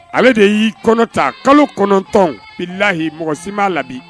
Ale de y'i kɔnɔta kalo kɔnɔntɔn bi layi mɔgɔ si m ma la